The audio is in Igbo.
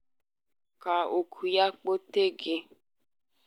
Ka oku ya kpote gị!